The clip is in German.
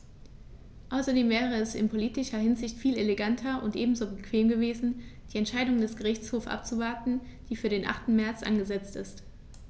Außerdem wäre es in politischer Hinsicht viel eleganter und ebenso bequem gewesen, die Entscheidung des Gerichtshofs abzuwarten, die für den 8. März angesetzt ist.